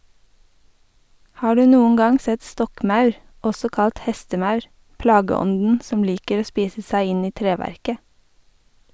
Har du noen gang sett stokkmaur, også kalt hestemaur, plageånden som liker å spise seg inn i treverket?